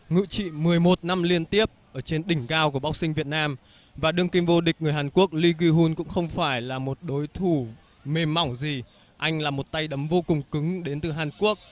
ngự trị mười một năm liên tiếp ở trên đỉnh cao của bốc xinh việt nam và đương kim vô địch người hàn quốc li ki hun cũng không phải là một đối thủ mềm mỏng gì anh là một tay đấm vô cùng cứng đến từ hàn quốc